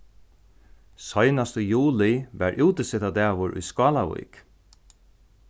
seinast í juli var útisetadagur í skálavík